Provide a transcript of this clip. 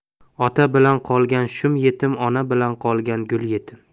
ota bilan qolgan shum yetim ona bilan qolgan gul yetim